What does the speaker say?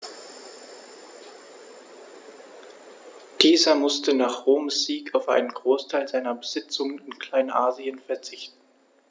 Dieser musste nach Roms Sieg auf einen Großteil seiner Besitzungen in Kleinasien verzichten.